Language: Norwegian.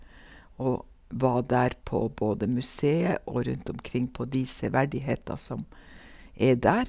Og var der på både museet og rundt omkring på de severdigheter som er der.